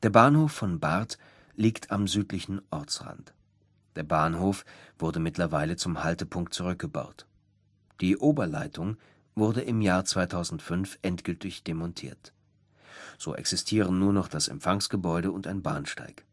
Bahnhof von Barth liegt am südlichen Ortsrand. Der Bahnhof wurde mittlerweile zum Haltepunkt zurückgebaut. Die Oberleitung wurde im Jahr 2005 endgültig demontiert. So existieren nur noch das Empfangsgebäude und ein Bahnsteig